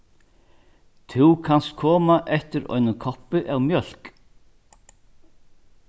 tú kanst koma eftir einum koppi av mjólk